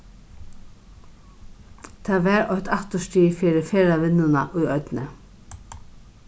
tað var eitt afturstig fyri ferðavinnuna í oynni